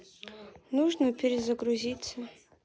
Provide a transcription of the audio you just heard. нужно перезагрузиться